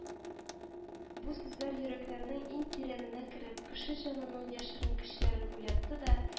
Бу сүзләр йөрәкләрнең иң тирәненә кереп, кеше җанының яшерен көчләрен уятты да